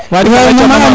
wa maman Amy